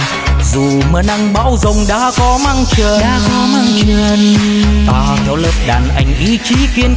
dù mưa nắng bão giông đá có mắc chân ta theo lớp đàn anh ý chí kiên cường